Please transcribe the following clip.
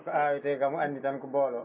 ko awete kam andi tan ko bolo